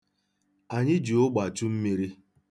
Anyị ji ụgba chu mmiri.